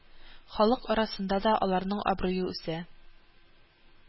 Халык арасында да аларның абруе үсә